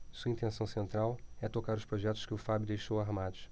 sua intenção central é tocar os projetos que o fábio deixou armados